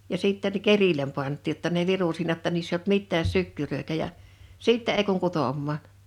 ja sitten kerille pantiin jotta ne virui siinä jotta niissä ei ollut mitään sykkyröitä ja sitten ei kun kutomaan